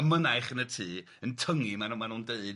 y mynaich yn y tŷ yn tyngu, ma' nhw ma' nhw'n deud.